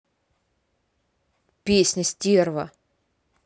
песня стерва